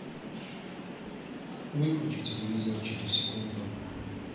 выключи телевизор через секунду